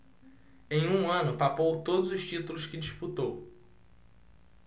em um ano papou todos os títulos que disputou